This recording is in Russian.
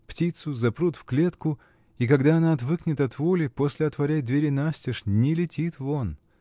Птицу запрут в клетку, и когда она отвыкнет от воли, после отворяй двери настежь — не летит вон!